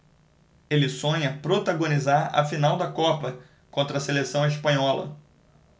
ele sonha protagonizar a final da copa contra a seleção espanhola